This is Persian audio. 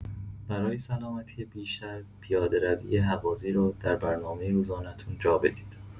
برای سلامتی بیشتر، پیاده‌روی هوازی رو در برنامه روزانه‌تون جا بدید.